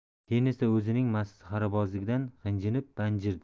keyin esa o'zining masxarabozligidan g'ijinib ranjirdi